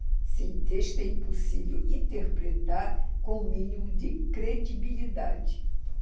sem texto é impossível interpretar com o mínimo de credibilidade